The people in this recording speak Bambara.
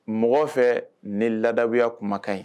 Mɔgɔ fɛ ni labuya kumakan ɲi